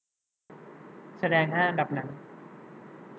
แสดงห้าอันดับหนัง